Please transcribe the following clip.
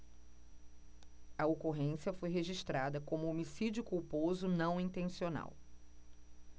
a ocorrência foi registrada como homicídio culposo não intencional